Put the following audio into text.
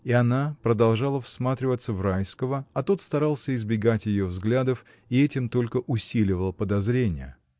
И она продолжала всматриваться в Райского, а тот старался избегать ее взглядов — и этим только усиливал подозрения.